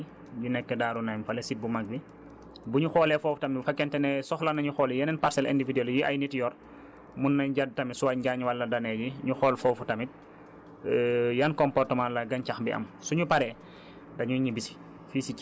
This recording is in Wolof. buñu paree dem ci parcelle lu ANCAR yi yi nekk Darou nayim fële si bu mag bi bu ñu xoolee foofu tamit bu fekkente ne soxala nañu yeneen parcelles indivuduelles yu ay nit yor mun nañ jël tamit * wala données yi ñu xool foofu tamit yan comportement la gàncax bi am